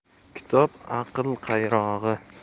kitob aql qayrog'i